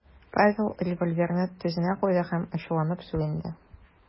Павел револьверны тезенә куйды һәм ачуланып сүгенде .